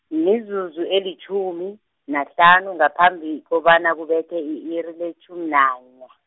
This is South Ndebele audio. mizuzu elitjhumi, nahlanu ngaphambikobana kubethe i-iri letjhumi nanye.